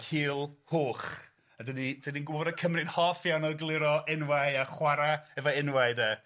Culhwch a 'dan ni 'dan ni'n gwybod y Cymry'n hoff iawn o egluro enwau a chwara efo enwau de.